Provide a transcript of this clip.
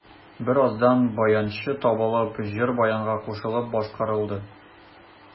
Бераздан баянчы табылып, җыр баянга кушылып башкарылды.